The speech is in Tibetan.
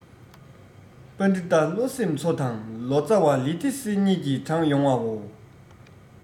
པཎྡི ཏ བློ སེམས འཚོ དང ལོ ཙ བ ལི ཐེ སི གཉིས ཀྱིས དྲངས ཡོང བའོ